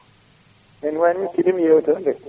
* keeɗimi yewtere nde